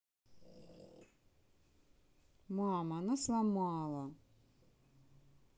мама она сломала